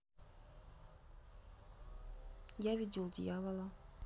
я видел дьявола